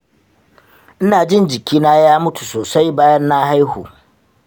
inajin jikina ya mutu sosai bayan na haihu